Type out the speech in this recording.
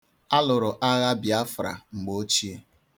A lụrụ agha Biafra mgbeochie.